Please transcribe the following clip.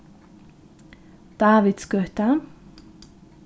davidsgøta